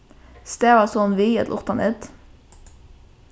stavast hon við ella uttan ð